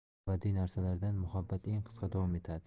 barcha abadiy narsalardan muhabbat eng qisqa davom etadi